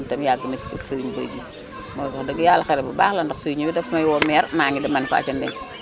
moom itam yàgg na ci kër Serigne Boye jii moom wax dëgg yàlla xale bu baax la ndax suy ñew it dafa may woo meer maa ngi dem mane ko acca ñu dem